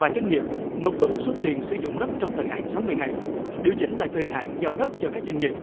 và doanh nghiệp nộp đủ số tiền sử dụng đất trong thời hạn sáu mươi ngày điều chỉnh lại thời hạn giao đất cho các doanh nghiệp